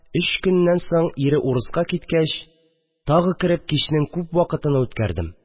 Өч көннән соң ире урыска киткәч, тагы кереп, кичнең күп вакытыны үткәрдем